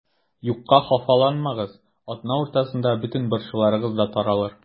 Юкка хафаланмагыз, атна уртасында бөтен борчуларыгыз да таралыр.